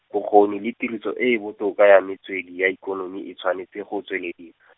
bokgoni le tiriso e e botoka ya metswedi ya ikonomi e tshwanetse go tsweledi .